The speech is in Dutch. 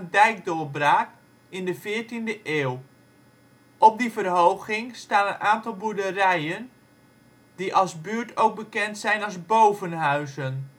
dijkdoorbraak in de veertiende eeuw. Op die verhoging staan een aantal boerderijen, die als buurt ook bekend zijn als Bovenhuizen